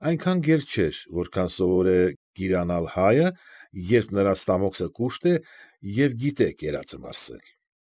Այնքան գեր չէր, որքան սովոր է գիրանալ հայը, երբ նրա ստամոքսը կուշտ է և գիտե կերածը մարսել։